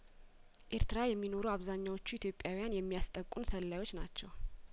ኤርትራ የሚኖሩ አብዛኛዎቹ ኢትዮጵያውያን የሚያስ ጠቁን ሰላዮች ናቸው